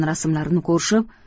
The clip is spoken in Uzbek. rasmlarimni ko'rishib